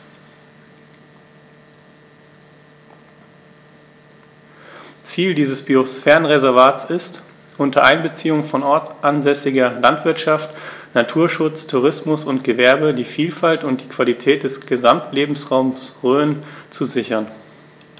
Ziel dieses Biosphärenreservates ist, unter Einbeziehung von ortsansässiger Landwirtschaft, Naturschutz, Tourismus und Gewerbe die Vielfalt und die Qualität des Gesamtlebensraumes Rhön zu sichern.